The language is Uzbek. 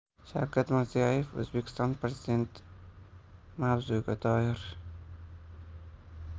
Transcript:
shavkat mirziyoyev o'zbekiston prezidentimavzuga doir